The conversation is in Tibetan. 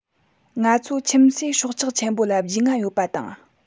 ང ཚོ ཁྱིམ གསོས སྲོག ཆགས ཆེན པོ ལ རྒྱུས མངའ ཡོད པ དང